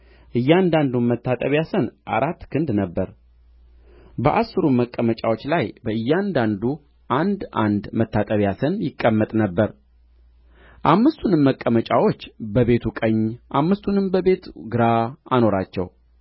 እያንዳንዱም መታጠቢያ ሰን አራት ክንድ ነበረ በአሥሩም መቀመጫዎች ላይ በእያንዳንዱ አንድ አንድ መታጠቢያ ሰን ይቀመጥ ነበር አምስቱንም መቀመጫዎች በቤቱ ቀኝ አምስቱንም በቤቱ ግራ አኖራቸው